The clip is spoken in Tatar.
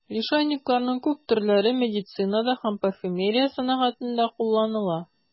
Лишайникларның күп төрләре медицинада һәм парфюмерия сәнәгатендә кулланыла.